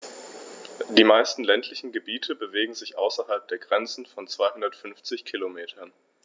Die meisten ländlichen Gebiete bewegen sich außerhalb der Grenze von 250 Kilometern.